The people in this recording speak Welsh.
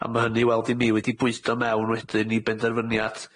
a ma' hynny i weld i mi wedi bwydo mewn wedyn i benderfyniad